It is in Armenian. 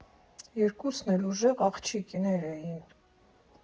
Երկուսն էլ ուժեղ աղջիկներ էին։